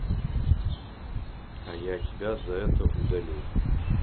а я тебя за это удалю